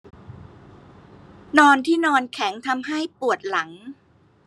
นอนที่นอนแข็งทำให้ปวดหลัง